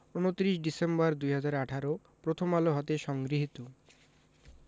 ২৯ December ২০১৮ Prothom Alo হতে সংগৃহীত